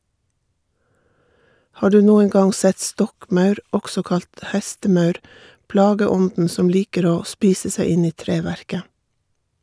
Har du noen gang sett stokkmaur, også kalt hestemaur, plageånden som liker å spise seg inn i treverket?